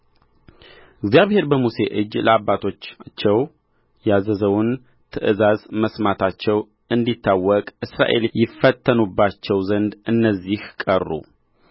እግዚአብሔር በሙሴ እጅ ለአባቶቻቸው ያዘዘውን ትእዛዝ መስማታቸው እንዲታወቅ እስራኤል ይፈተኑባቸው ዘንድ እነዚህ ቀሩ